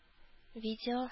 Видео